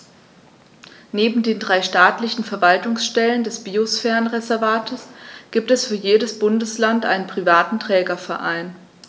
Neben den drei staatlichen Verwaltungsstellen des Biosphärenreservates gibt es für jedes Bundesland einen privaten Trägerverein.